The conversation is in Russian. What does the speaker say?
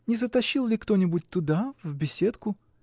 — Не затащил ли кто-нибудь туда, в беседку?